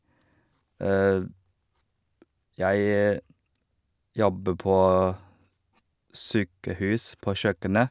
Jeg jobber på sykehus, på kjøkkenet.